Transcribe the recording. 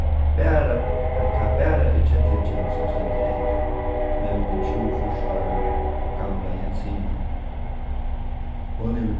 bara at tað bara er kellingin sum stendur eftir nevnir trýogfýrs ára gamla jensina hon hevur